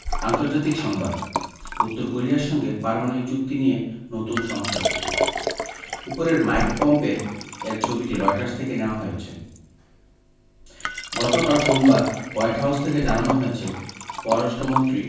আন্তর্জাতিক সংবাদ উত্তর কোরিয়ার সঙ্গে পারমাণবিক চুক্তি নিয়ে নতুন সংশয় উপরের মাইক পম্পের এর ছবিটি রয়টার্স থেকে নেয়া হয়েছে গতকাল সোমবার হোয়াইট হাউস থেকে জানানো হয়েছে পররাষ্ট্রমন্ত্রী